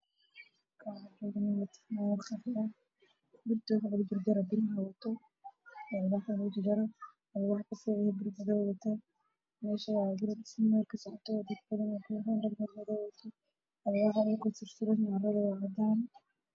Waa guri dhisme kasocdo nin ayaa ii muuqdo oo la wax ku goynaayo bir meeshaar ah